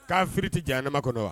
K'afi tɛ jananama kɔnɔ wa